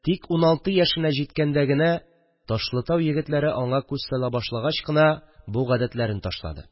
Тик уналты яшенә җиткәндә генә, Ташлытау егетләре ана күз сала башлагач кына, бу гадәтләрен ташлады